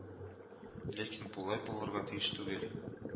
Ләкин болай булырга тиеш түгел